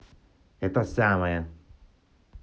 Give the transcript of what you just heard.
это самое